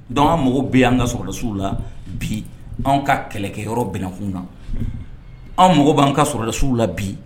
Dɔnku ka mago bɛ anan kadasiww la bi an ka kɛlɛkɛ yɔrɔ bkun na an mago b'an ka sɔrɔdasiww la bi